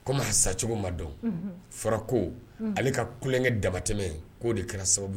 Ko maa sacogo ma dɔn farako ale ka kukɛ dabatɛmɛ k'o de kɛra sababu